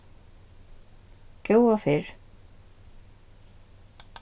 góða ferð